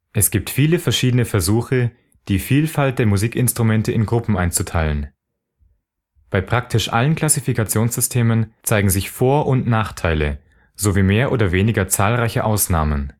Es gibt viele verschiedene Versuche, die Vielfalt der Musikinstrumente in Gruppen einzuteilen. Bei praktisch allen Klassifikationssystemen zeigen sich Vor - und Nachteile sowie mehr oder weniger zahlreiche Ausnahmen